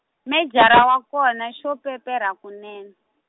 Mejara wa kona xo peperha kunene.